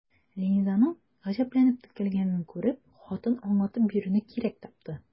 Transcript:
Ленизаның гаҗәпләнеп текәлгәнен күреп, хатын аңлатып бирүне кирәк тапты.